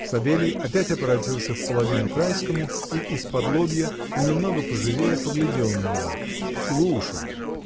Савелий опять оборотился вполовину к Райскому и исподлобья, но немного поживее, поглядел на него. — Слушаю!